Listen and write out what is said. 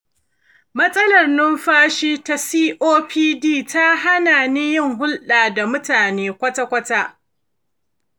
matsalar numfashi ta copd ta hana ni yin hulɗa da mutane kwata-kwata.